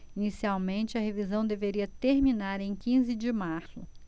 inicialmente a revisão deveria terminar em quinze de março